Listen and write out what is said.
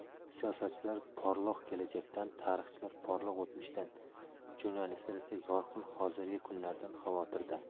siyosatchilar porloq kelajakdan tarixchilar porloq o'tmishdan jurnalistlar esa yorqin hozirgi kunlardan xavotirda